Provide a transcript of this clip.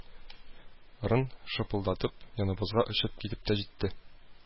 Рын шапылдатып, яныбызга очып килеп тә җитте